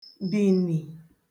bìnì